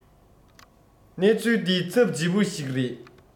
གནས ཚུལ འདི ཚབ རྗི པོ ཞིག རེད